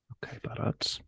Ocê, barod?